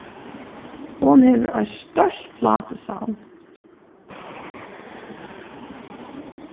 hon hevur eitt stórt plátusavn